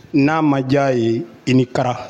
N'a ma diya ye i ni kalan